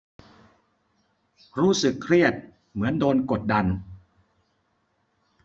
รู้สึกเครียดเหมือนโดนกดดัน